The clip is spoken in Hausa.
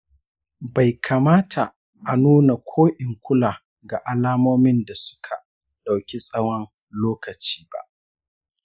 bai kamata a nuna ko in kula ga alamomin da suka dauki tsawon lokaci ba